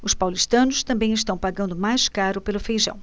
os paulistanos também estão pagando mais caro pelo feijão